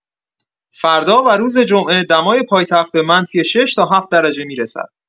فردا و روز جمعه دمای پایتخت به منفی ۶ تا ۷ درجه می‌رسد.